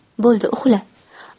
bo'ldi uxla